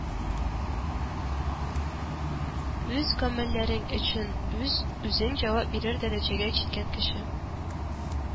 Үз гамәлләрең өчен үзең җавап бирер дәрәҗәгә җиткән кеше